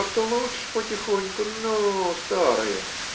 - Так-то лучше, потихоньку. Но, старая!